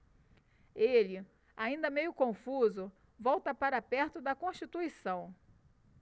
ele ainda meio confuso volta para perto de constituição